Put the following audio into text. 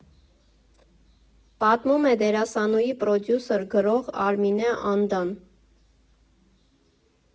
Պատմում է դերասանուհի, պրոդյուսեր, գրող Արմինե Անդան։